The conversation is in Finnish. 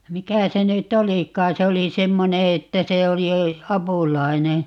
mikä se nyt olikaan se oli semmoinen että se oli apulainen